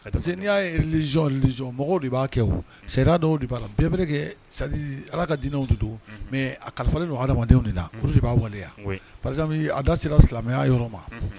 Parce que n'i y'alizli mɔgɔw de b'a kɛ sariya dɔw b'a la bɛɛb kɛ ala ka diinɛw don mɛ a kalifa don adamadamadenw de de b'a waleya a da sera silamɛya yɔrɔ ma